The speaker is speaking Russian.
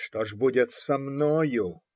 Что ж будет со мною?